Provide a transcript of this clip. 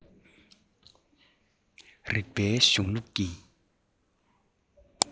རིག པའི གཞུང ལུགས ཀྱི